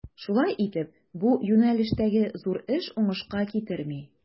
Шулай итеп, бу юнәлештәге зур эш уңышка китерми.